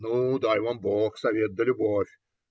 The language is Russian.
Ну, дай вам бог совет да любовь.